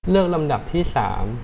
เลือกลำดับที่สาม